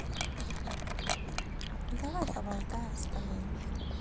давай поболтаем с тобой